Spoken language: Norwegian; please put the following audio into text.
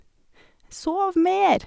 Sov mer.